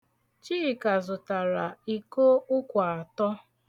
Chika zụtara iko ụkwa atọ.